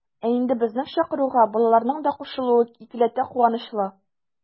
Ә инде безнең чакыруга балаларның да кушылуы икеләтә куанычлы.